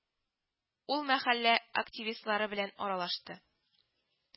Ул мәхәллә активистлары белән аралашты